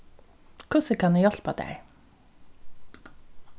hvussu kann eg hjálpa tær